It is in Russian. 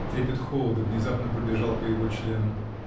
Трепет холода внезапно пробежал по его членам.